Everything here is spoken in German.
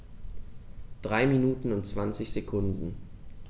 3 Minuten und 20 Sekunden